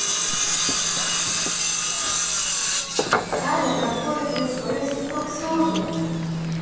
аня пранкует свою сестру ксюшу